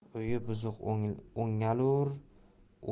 uyi buzuq o'ngalur